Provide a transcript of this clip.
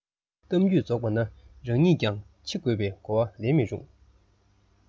གཏམ རྒྱུད རྫོགས པ ན རང ཉིད ཀྱང འཆི དགོས པའི གོ བ ལེན མི རུང